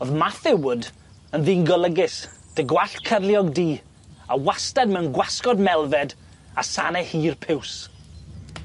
O'dd Matthew Wood yn ddyn golygus 'dy gwallt cyrliog du a wastad mewn gwasgod melfed a sanne hir piws.